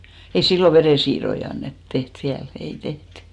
ei silloin verensiirtoja annettu tehty vielä ei tehty